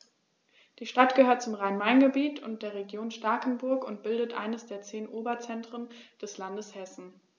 Die Stadt gehört zum Rhein-Main-Gebiet und der Region Starkenburg und bildet eines der zehn Oberzentren des Landes Hessen.